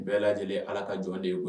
Bɛɛ lajɛlen ye Ala ka jɔn de ye koyi